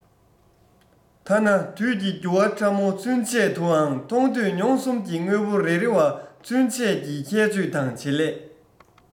ཐ ན དུས ཀྱི རྒྱུ བ ཕྲ མོ ཚུན ཆད དུའང མཐོས ཐོས མྱོང གསུམ གྱི དངོས པོ རེ རེ བ ཚུན ཆད ཀྱི ཁྱད ཆོས དང བྱེད ལས